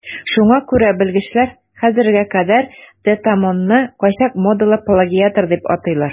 Шуңа күрә белгечләр хәзергә кадәр де Томонны кайчак модалы плагиатор дип атыйлар.